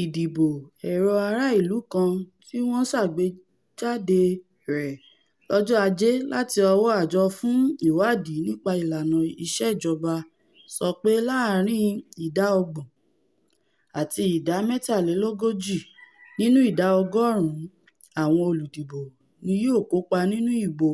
Ìdìbò èrò ara ìlú kan tíwọ́n ṣàgbéjáde rẹ̀ lọ́jọ́ Ajé láti ọwọ́ Àjọ fún Ìwáàdí nípa Ìlàna Ìṣèjọba sọ pé láàrin ìdá ọgbọ̀n àti ìdá mẹ́tàlélógójì nínú ìdá ọgọ́ọ̀rún àwọn olùdìbò ni yóò kópa nínú ìbò